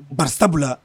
Bare sabu la